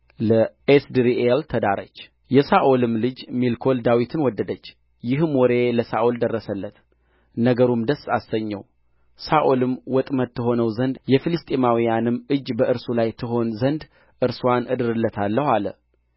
ለኤስድሪኤል ተዳረች የሳኦልም ልጅ ሜልኮል ዳዊትን ወደደች ይህም ወሬ ለሳኦል ደረሰለት ነገሩም ደስ አሰኘው ሳኦልም ወጥመድ ትሆነው ዘንድ የፍልስጥኤማውያንም እጅ በእርሱ ላይ ትሆን ዘንድ እርስዋን እድርለታለሁ አለ